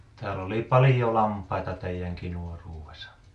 täällä oli paljon lampaita teidänkin nuoruudessa